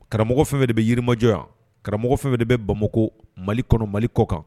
Karamɔgɔ fɛn de bɛ yirimajɔ yan karamɔgɔ fɛn de bɛ bama mali kɔnɔ mali kɔ kan